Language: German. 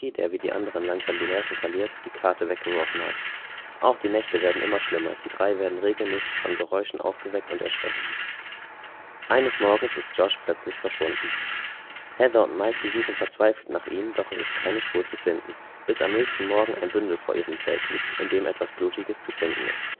der wie die anderen langsam seine Nerven verliert, die Karte weggeworfen hat. Auch die Nächte werden immer schlimmer, die drei werden regelmäßig von Geräuschen aufgeweckt und erschreckt. Eines Morgens ist Josh plötzlich spurlos verschwunden. Heather und Mike suchen verzweifelt nach ihm, doch ist keine Spur zu finden – bis am nächsten Morgen ein Bündel vor ihrem Zelt liegt, in dem etwas Blutiges zu finden ist